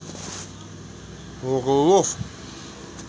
орлов